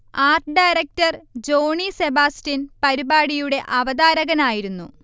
art director Johny Sebastian പരിപാടിയുടെ അവതാരകനായിരുന്നു